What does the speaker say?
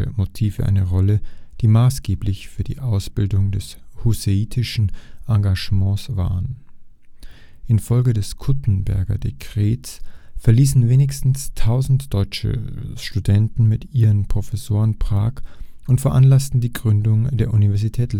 Motive eine Rolle, die maßgeblich für die Ausbildung des Hussitischen Engagements waren. Infolge des Kuttenberger Dekrets verließen wenigstens 1000 deutsche Studenten mit ihren Professoren Prag und veranlassten die Gründung der Universität Leipzig